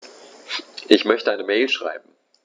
Ich möchte eine Mail schreiben.